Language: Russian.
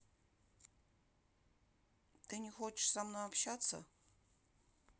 ты не хочешь со мной общаться